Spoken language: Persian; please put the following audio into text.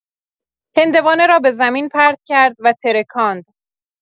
هندوانه را به زمین پرت کرد و ترکاند